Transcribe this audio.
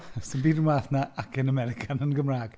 Does dim byd yn waeth na acen American yn Gymraeg.